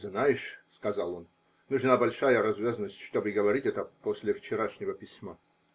-- Знаешь, -- сказал он, -- нужна большая развязность, чтобы говорить это после вчерашнего письма.